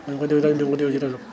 naa ko déglu rajo dinaa ko dégg ci RESOP